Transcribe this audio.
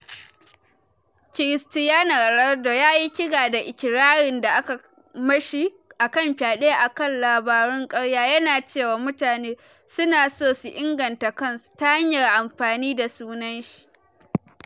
Cristiano Ronaldo yayi kira da ikirarin da aka mashi akan fyaɗe akan “labarun ƙarya”, yana cewa mutane “su na so su inganta kansu” ta hanyar amfani da sunan shi.